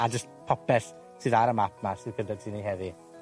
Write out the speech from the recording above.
a jys popeth, sydd ar y map ma' sydd gyda ti i ni heddi.